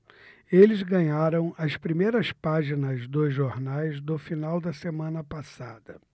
eles ganharam as primeiras páginas dos jornais do final da semana passada